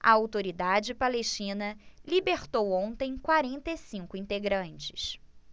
a autoridade palestina libertou ontem quarenta e cinco integrantes